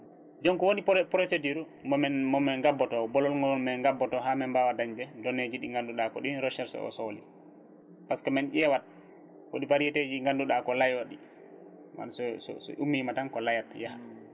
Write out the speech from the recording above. joni ko woni procédure momin momin gabboto o bolongol min gabboto ha min mbawa dañde donné ji ɗi ganduɗa ko ɗin recherche o sohli par ce que min ƴewat woodi variété ji ɗi ganduɗa ko laayoɗi on so so ummima tan ko layat yaaha